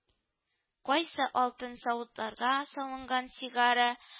Кайсы алтын савытларга салынган сигара